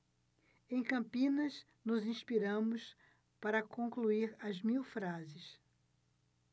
em campinas nos inspiramos para concluir as mil frases